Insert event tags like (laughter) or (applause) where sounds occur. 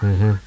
(hesitation) (hesitation)